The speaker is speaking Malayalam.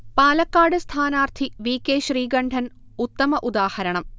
പാലക്കാട് സ്ഥാനാർത്ഥി വി. കെ. ശ്രീകണ്ഠൻ ഉത്തമ ഉദാഹരണം